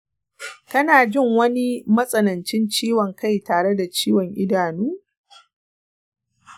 kana jin wani matsanancin ciwon kai tare da ciwon idanu?